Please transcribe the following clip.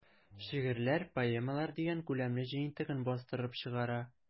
"шигырьләр, поэмалар” дигән күләмле җыентыгын бастырып чыгара.